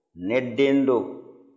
ne den don